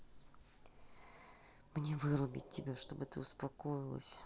мне вырубить тебя чтобы ты успокоилась